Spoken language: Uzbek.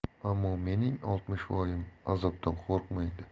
ammo mening oltmishvoyim azobdan qo'rqmaydi